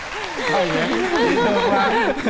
hay